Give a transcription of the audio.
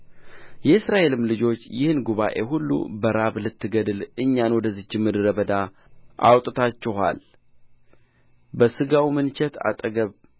የእስራኤልም ልጆች ይህን ጉባኤ ሁሉ በራብ ልትገድሉ እኛን ወደዚች ምድረ በዳ አውጥታችኋል በሥጋው ምንቸት አጠገብ